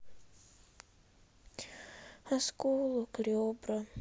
осколок ребра